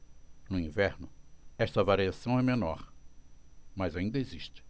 no inverno esta variação é menor mas ainda existe